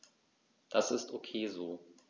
Das ist ok so.